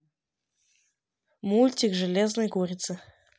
мультик железные курицы